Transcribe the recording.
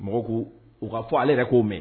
Mɔgɔw ko u ka fɔ ale yɛrɛ k'o mɛn